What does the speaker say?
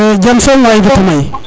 iyo jam soom way bata may